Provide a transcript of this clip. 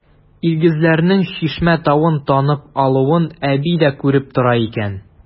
Илгизәрнең Чишмә тавын танып алуын әби дә күреп тора икән.